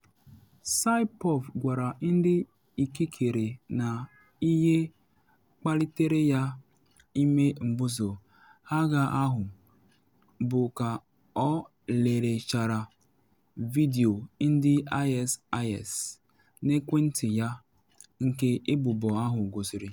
Saipov gwara ndị ikikere na ihe kpalitere ya ịme mbuso agha ahụ bụ ka ọ lelechara vidio ndị ISIS n’ekwentị ya, nke ebubo ahụ gosiri.